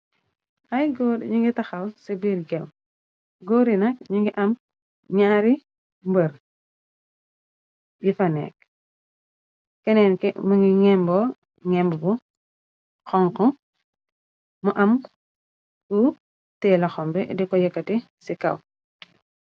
Ay góor ñu ngi taxaw ci biir gew, góori nak ñu ngi am ñaari mbërr yi fa nekk. Keneen ke mungi ngemboo ngembu bu xonku, mu am gu tée lexombii di ko yekkate ci kaw.